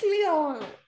Cleo!